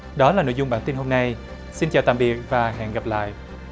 đó là nội dung bản tin hôm nay xin chào tạm biệt và hẹn gặp lại